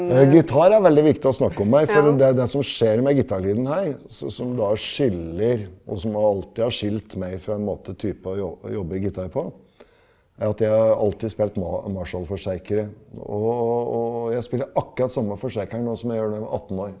gitar er veldig viktig å snakke om her for det det som skjer med gitarlyden her så som da skiller og som alltid har skilt meg fra en måte type jobbe gitar på, er at jeg har alltid spilt Marshallforsterkere, og og og jeg spiller akkurat samme forsterkeren nå som jeg gjorde når jeg var 18 år.